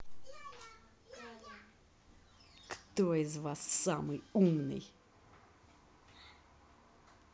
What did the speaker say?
кто из вас самый умный